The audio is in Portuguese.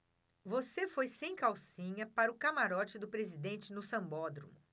você foi sem calcinha para o camarote do presidente no sambódromo